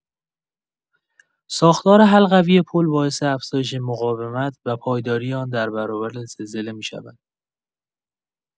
ساختار حلقوی پل باعث افزایش مقاومت و پایداری آن در برابر زلزله می‌شود.